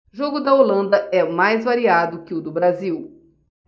jogo da holanda é mais variado que o do brasil